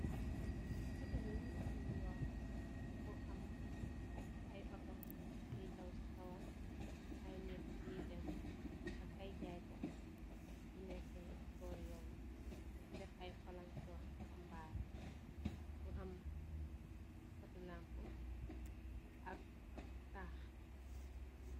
Talibi munge am aye motor ak aye nit nyuy dukh si kaw tali amna nyu nekeh si koteh bi daf aye bass .